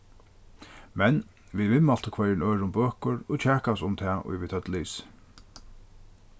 men vit viðmæltu hvørjum øðrum bøkur og kjakaðust um tað ið vit høvdu lisið